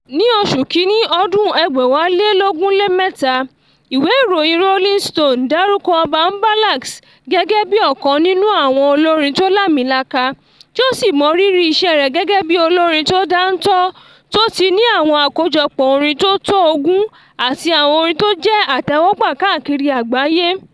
Ní January 2023, ìwé ìròyìn Rollin Stone dárúkọ ọba Mbalax gẹ́gẹ́ bí ọ̀kan nìnú àwọn olórin tó làmilaka, tí ó sì mọ rírí iṣẹ́ rẹ̀ gẹ́gẹ́ bí olórin tó dánítọ̀ tó ti ní àwọn àkọjọpọ̀ orin tó tó ogun àti àwọn orin tó jẹ́ àtẹ́wọ́gbà káàkiri àgbáyé.